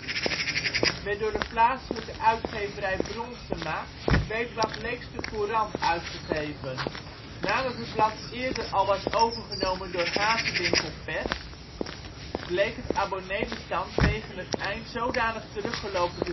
werd door de plaatselijke uitgeverij Bronsema het weekblad Leekster Courant uitgegeven. Nadat het blad eerder al was overgenomen door Hazewinkel Pers, bleek het abonneebestand tegen het eind zodanig teruggelopen